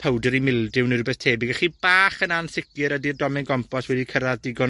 powdery mildew, ne' rwbeth tebyg. A chi bach yn ansicir ydi'r domen gompos wedi cyrradd digon